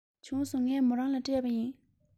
བྱུང སོང ངས མོ རང ལ སྤྲད པ ཡིན